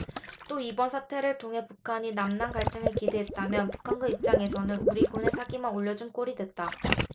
또 이번 사태를 통해 북한이 남 남 갈등을 기대했다면 북한군 입장에서는 우리군의 사기만 올려준 꼴이 됐다